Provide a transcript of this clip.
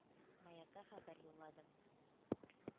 ”маяк“ка хәбәр юлладым.